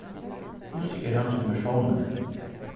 hvussu er hann sum persónur